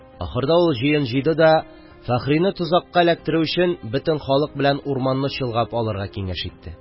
Ахырда ул җыен җыйды да, Фәхрине тозакка эләктерү өчен бөтен халык белән урманны чолгап алырга киңәш итте.